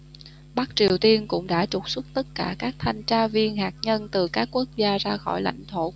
bắc triều tiên cũng đã trục xuất tất cả các thanh tra viên hạt nhân từ các quốc gia ra khỏi lãnh thổ